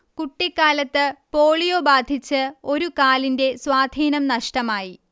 കുട്ടിക്കാലത്ത് പോളിയോ ബാധിച്ച് ഒരു കാലിന്റെ സ്വാധീനം നഷ്ടമായി